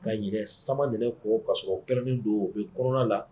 Ka ɲ sama minɛ ko kasɔrɔ kɛrɛnnen don u bɛ kɔnɔna la